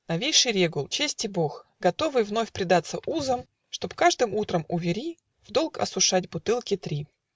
Новейший Регул, чести бог, Готовый вновь предаться узам, Чтоб каждым утром у Вери В долг осушать бутылки три.